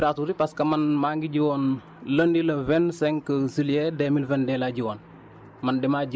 waaw am na différence tuuti parce que man maa ngi ji woon lundi le vingt cinq juillet deux mille vingt deux laa ji woon